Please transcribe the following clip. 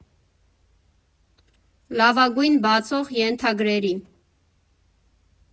Լավագույն բացող ենթագրերի։